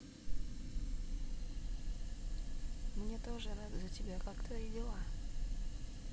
мне тоже рад за тебя как твои дела